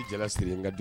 Jala se